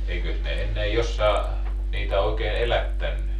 eikös ne ennen jossakin niitä oikein elättänyt